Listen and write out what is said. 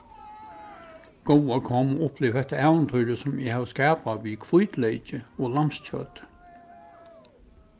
góða kom og uppliv hetta ævintýrið sum eg havi skapað við hvítleyki og lambskjøti